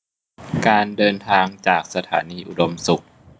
การเดินทางจากสถานีอุดมสุข